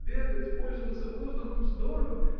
Бегать, пользоваться воздухом — здорово.